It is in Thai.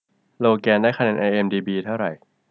โลแกนได้คะแนนไอเอ็มดีบีเท่าไหร่